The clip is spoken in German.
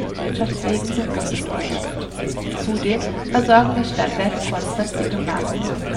Wirtschaftswegen sind bundesdeutsch. Zudem versorgen die Stadtwerke Konstanz die Gemarkung mit